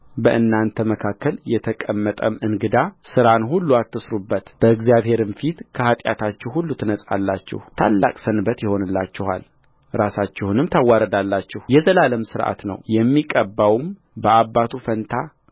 በእናንተ መካከል የተቀመጠም እንግዳ ሥራን ሁሉ አትሥሩበት በእግዚአብሔርም ፊት ከኃጢአታችሁ ሁሉ ትነጻላችሁታላቅ ሰንበት ይሆንላችኋል ራሳችሁንም ታዋርዳላችሁ የዘላለም ሥርዓት ነውየሚቀባውም በአባቱ ፋንታ